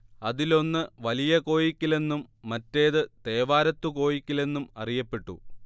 അതിലൊന്ന് വലിയ കോയിക്കലെന്നും മറ്റേതു തേവാരത്തു കോയിക്കലെന്നും അറിയപ്പെട്ടു